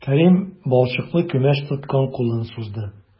Кәрим балчыклы күмәч тоткан кулын сузды.